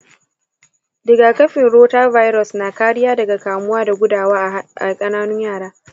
rigakafin rota virus na kariya daga kamuwa da gudawa a kananun yara